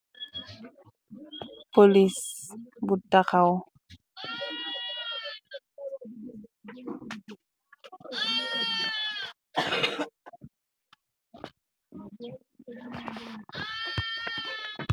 polis bu taxaw taxaw.